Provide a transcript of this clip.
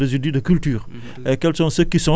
mooy parlons des résidus de ces résisus de culture